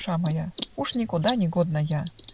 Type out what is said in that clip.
душа моя, Уж никуда не годна я.